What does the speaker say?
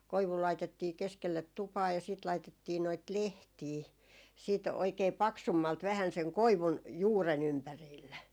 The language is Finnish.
koivu laitettiin keskelle tupaa ja sitten laitettiin noita lehtiä sitten oikein paksummalti vähän sen koivun juuren ympärille